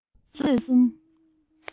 འཆད རྩོད རྩོམ གསུམ